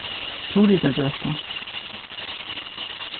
turiðargøta